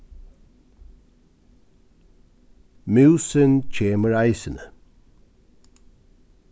músin kemur eisini